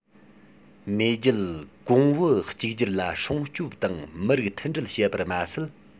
མེས རྒྱལ གོང བུ གཅིག གྱུར ལ སྲུང སྐྱོབ དང མི རིགས མཐུན སྒྲིལ བྱེད པར མ ཟད